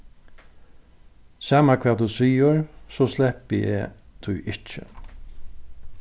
sama hvat tú sigur so sleppi eg tí ikki